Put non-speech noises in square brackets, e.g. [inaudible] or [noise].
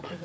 [hesitation] [hesitation]